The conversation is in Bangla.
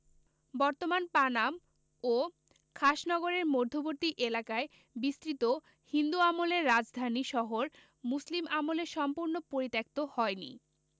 বর্তমান পানাম ও খাসনগরের মধ্যবর্তী এলাকায় বিস্তৃত হিন্দু আমলের রাজধানী শহর মুসলিম আমলে সম্পূর্ণ পরিত্যক্ত হয় নি